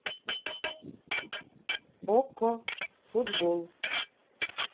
окко футбол